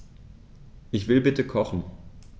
Ich will bitte kochen.